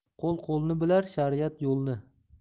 qo'l qo'lni bilar shariat yo'lni